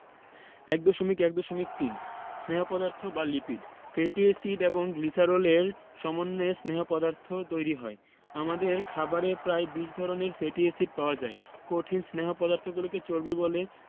১.১.৩ স্নেহ পদার্থ বা লিপিড ফ্যাটি এসিড এবং গ্লিসারলের সমন্বয়ে স্নেহ পদার্থ তৈরি হয় আমাদের খাবারে প্রায় ২০ ধরনের ফ্যাটি এসিড পাওয়া যায় কঠিন স্নেহ পদার্থগুলোকে চর্বি বলে